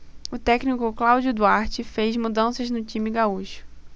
o técnico cláudio duarte fez mudanças no time gaúcho